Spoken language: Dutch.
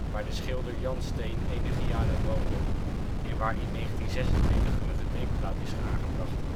waar de schilder Jan Steen enige jaren woonde en waar in 1926 een gedenkplaat is aangebracht